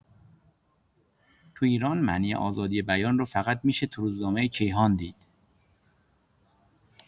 تو ایران معنی آزادی بیان رو فقط می‌شه تو روزنامه کیهان دید!